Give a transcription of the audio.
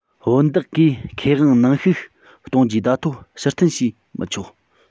བུན བདག གིས ཁེ དབང ནང བཤུག གཏོང རྒྱུའི བརྡ ཐོ ཕྱིར འཐེན བྱས མི ཆོག